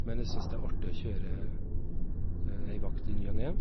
Men jeg syns det er artig å kjøre ei vakt i ny og ne.